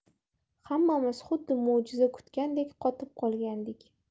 hammamiz xuddi mo'jiza kutgandek qotib qolgandik